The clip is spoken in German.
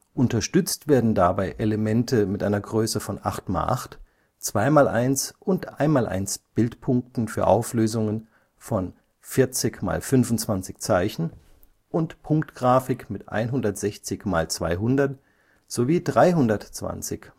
Unterstützt werden dabei Elemente mit einer Größe von 8 × 8, 2 × 1 und 1 × 1 Bildpunkten für Auslösungen von 40 × 25 Zeichen und Punktgrafik mit 160 × 200 sowie 320